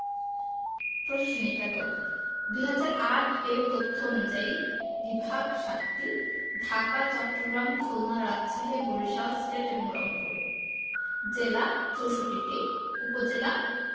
প্রশাসনিক এককঃ ২০০৮ এর তথ্য অনুযায়ী বিভাগ ৭টি ঢাকা চট্টগ্রাম খুলনা রাজশাহী বরিশাল সিলেট এবং রংপুর জেলা ৬৪টি উপজেলা